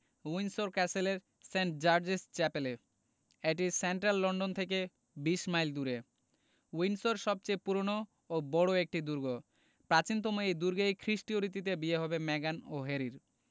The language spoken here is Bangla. উইন্ডসর ক্যাসেলের সেন্ট জার্জেস চ্যাপেলে এটি সেন্ট্রাল লন্ডন থেকে ২০ মাইল দূরে উইন্ডসর সবচেয়ে পুরোনো ও বড় একটি দুর্গ প্রাচীনতম এই দুর্গেই খ্রিষ্টীয় রীতিতে বিয়ে হবে মেগান ও হ্যারির